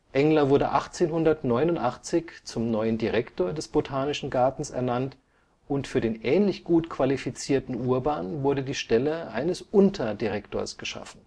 Engler wurde 1889 zum neuen Direktor des Botanischen Gartens ernannt und für den ähnlich gut qualifizierten Urban wurde die Stelle eines Unterdirektors geschaffen